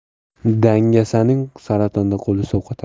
dangasaning saratonda qoii sovqotar